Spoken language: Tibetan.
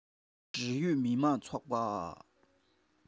དེ རིང ནང ལ མགྲོན པོ སླེབས འདུག